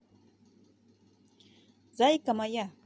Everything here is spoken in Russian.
зайка моя